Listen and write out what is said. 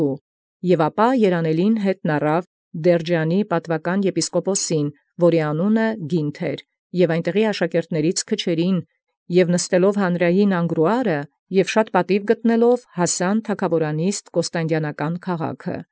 Եւ առեալ երանելոյն զպատուական եպիսկոպոսն Դերջանոյ, որոյ անուն կոչէր Գինթ, և զսակաւս յաշակերտաց անտի, և ելեալ յանդրուարն դիմոսական և բազում պատիւ գտեալ, հասանէին ի թագաւորակաց քաղաքն։